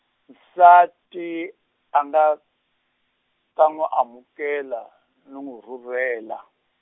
nsati a nga, ta n'wi amukela no n'wi rhurhela.